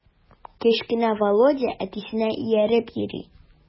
Кечкенә Володя әтисенә ияреп йөри.